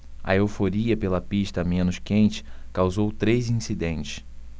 a euforia pela pista menos quente causou três incidentes